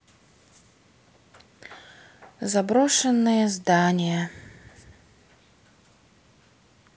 заброшенные здания